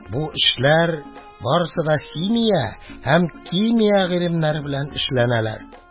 Бу эшләр барысы да симия һәм кимия гыйлемнәре белән эшләнәләр.